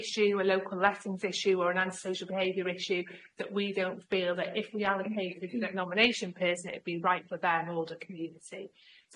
issue a local lessons issue or an antisocial behaviour issue that we don't feel that if we allocate it to that nomination person it'd be right for them or the community.